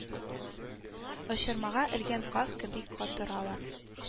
Очырмага элгән каз кеби катыралар